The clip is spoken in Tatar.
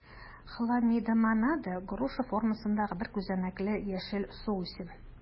Хламидомонада - груша формасындагы бер күзәнәкле яшел суүсем.